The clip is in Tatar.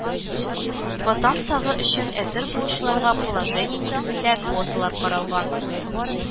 Ватан сагы өчен әзер булучыларга положение нигезендә квоталар каралган